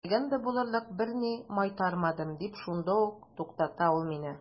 Легенда булырлык берни майтармадым, – дип шундук туктата ул мине.